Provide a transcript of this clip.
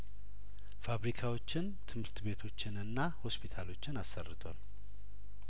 ፋብሪካዎችን ትምህርት ቤቶችንና ሆስፒታሎችን አሰርቷል